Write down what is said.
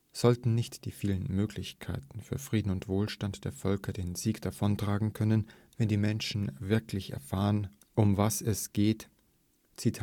Sollten nicht die vielen Möglichkeiten für Frieden und Wohlstand der Völker den Sieg davontragen können, wenn die Menschen wirklich erfahren, um was es geht? “Die